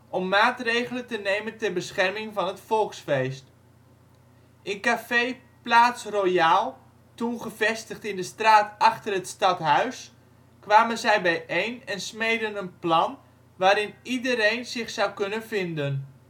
om maatregelen te nemen ter bescherming van het volksfeest. In café Plaats Roijaal, toen gevestigd in de straat Achter het Stadhuis, kwamen zij bijeen en smeedden een plan waarin iedereen zich zou kunnen vinden